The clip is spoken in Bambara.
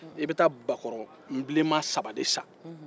i bɛ taa bakɔrɔn bilenman saba de san